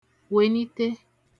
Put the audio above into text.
weni(te)